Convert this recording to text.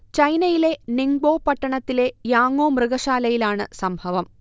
ചൈനയിലെ നിങ്ബോ പട്ടണത്തിലെ യാങോ മൃഗശാലയിലാണ് സംഭവം